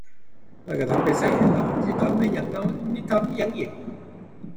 ฮ้วย ก็ถอนไปก็นั้นแหล้ว มันสิถอนไปหยังเนาะ มันสิมีถอน มีหยังอีก